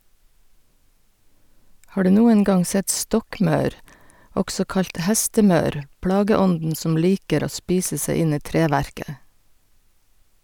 Har du noen gang sett stokkmaur, også kalt hestemaur, plageånden som liker å spise seg inn i treverket?